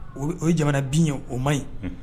O o ye jamana bin ye o ma ɲi